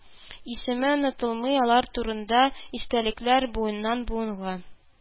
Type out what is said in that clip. Исеме онытылмый, алар турында истәлекләр буыннан-буынга